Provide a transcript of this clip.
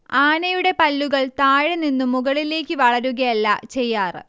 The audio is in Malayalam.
ആനയുടെ പല്ലുകൾ താഴെനിന്നു മുകളിലേക്ക് വളരുകയല്ല ചെയ്യാറ്